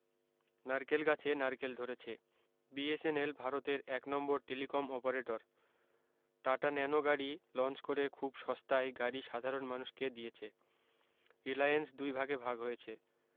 নারকেল গাছে নারকেল ধরেছে বিএসেনেল ভারতের একনম্বর টেলিকম অপারেটার টাটা ন্যানো গাড়ী লঞ্চ করে খুব সস্তায় গাড়ী সাধারণ মানুষ কে দিয়েছে রিলায়েন্স দুই ভাগে ভাগ হয়েছে